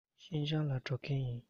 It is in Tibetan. ཤིན ཅང ལ འགྲོ མཁན ཡིན